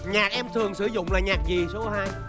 nhạc em thường sử dụng là nhạc gì số hai